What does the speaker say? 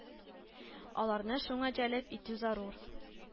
Аларны шуңа җәлеп итү зарур